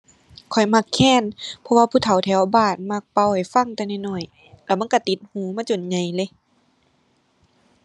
ข้อยมักแคน เพราะว่า ผู้เฒ่าแถวบ้านมักเป่าให้ฟังแต่น้อยน้อย แล้วมันก็ติดหูมาจนใหญ่เลย